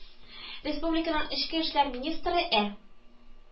Республиканың эчке эшләр министры Ә